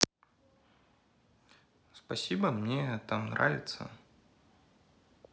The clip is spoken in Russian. спасибо мне там нравится